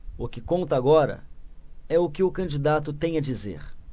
o que conta agora é o que o candidato tem a dizer